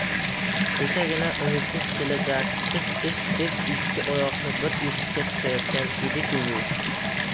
kechagina umidsiz kelajaksiz ish deb ikki oyoqni bir etikka tiqayotgan edi ku